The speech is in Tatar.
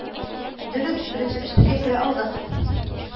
Дөрес, беренче өчлеккә керә алдык